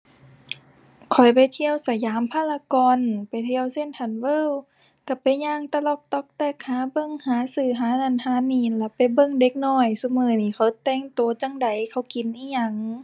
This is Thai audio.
ข้อยไปเที่ยวสยามพารากอน ไปเที่ยวเซ็นทรัลเวิลด์ ก็ไปย่างตะล็อกต๊อกแต๊ก หาเบิ่ง หาซื้อ หานั้นหานี้หั้นล่ะ ไปเบิ่งเด็กน้อยซุมื้อนี้ เขาแต่งโตจั่งใด เขากินอิหยัง